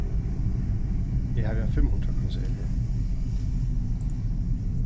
eg havi ein fimmhundraðkrónuseðil her